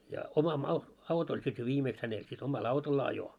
ja oma - auto oli sitten jo viimeksi hänellä sitten omalla autolla ajoi